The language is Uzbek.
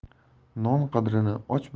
non qadrini och